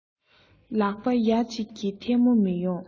ལག པ ཡ གཅིག གིས ཐལ མོ མི ཡོང